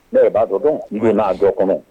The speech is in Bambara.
Ne yɛrɛ b'a dɔn dɔn i bɛ n'a dɔ kɔnɔ